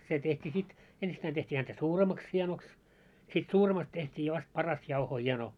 se tehtiin sitten ensittäin tehtiin häntä suuremmaksi hienoksi sitten suuremmasta tehtiin vasta parasta jauhoa hieno